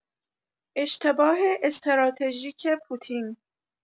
اشتباه استراتژیک پوتین